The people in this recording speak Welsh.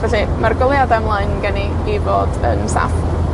Felly, ma'r goleuada ymlaen gen i i fod yn saff.